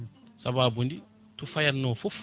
saababude to fayatno foof